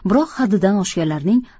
biroq haddidan oshganlarning